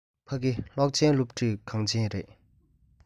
ཕ གི གློག ཅན སློབ ཁྲིད ཁང ཆེན ཡིན